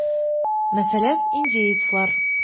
Мәсәлән, индеецлар.